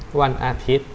วันอาทิตย์